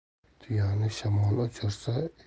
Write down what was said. tuyani shamol uchirsa